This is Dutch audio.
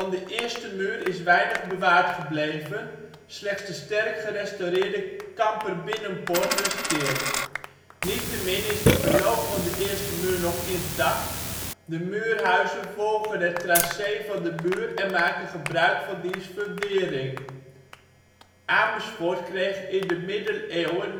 de eerste muur is weinig bewaard gebleven, slechts de sterk gerestaureerde Kamperbinnenpoort resteert. Niettemin is het verloop van de eerste muur nog intact; de Muurhuizen volgen het trace van de muur en maken gebruik van diens fundering. Amersfoort kreeg in de Middeleeuwen